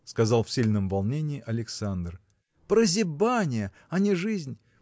– сказал в сильном волнении Александр, – прозябание, а не жизнь!